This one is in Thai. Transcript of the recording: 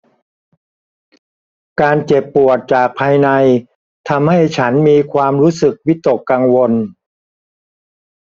การเจ็บปวดจากภายในทำให้ฉันมีความรู้สึกวิตกกังวล